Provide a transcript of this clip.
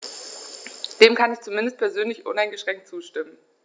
Dem kann ich zumindest persönlich uneingeschränkt zustimmen.